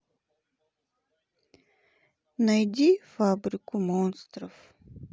найди фабрику монстров